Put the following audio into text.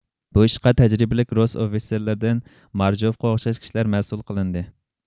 بۇ ئىشقا تەجرىبىلىك رۇس ئوفىتسېرلىرىدىن ماژروفقا ئوخشاش كىشىلەر مەسئۇل قىلىندى